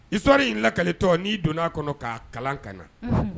Ito in lalitɔ n'i donna a kɔnɔ k kaa kalan ka na